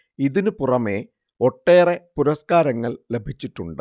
ഇതിനു പുറമെ ഒട്ടേറെ പുരസ്കാരങ്ങള്‍ ലഭിച്ചിട്ടുണ്ട്